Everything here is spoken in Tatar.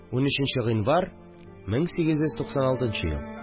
13 нче гыйнвар, 1896 ел